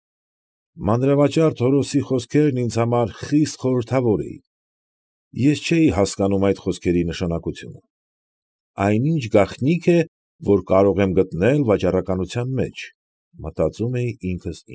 Մանրավաճառ Թորոսի խոսքերն ինձ համար խիստ խորհրդավոր էին. ես չէի հասկանում այդ խոսքերի նշանակությունը։ «Այն ինչ գաղտնիք է, որը կարող եմ գտնել վաճառականության մեջ», մտածում էի ինքս։